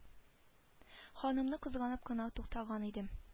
Ханымны кызганып кына туктаган идем